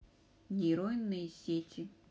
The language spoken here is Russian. нейронные сети